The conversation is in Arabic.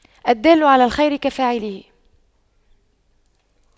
الدال على الخير كفاعله